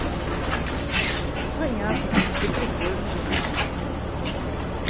понятно ты прикольная